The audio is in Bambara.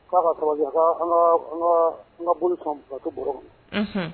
Ka ka sabali , an ka boli to bɔrɔ kɔnɔ ka sɔn.